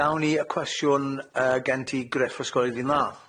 Gawn ni y cwestiwn yy gen ti Gruff os gweli di'n dda?